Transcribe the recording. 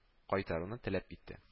Кайтаруны теләп итте